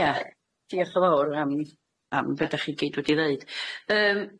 Ie diolch yn fawr am am be' dach chi gyd wedi ddeud yym.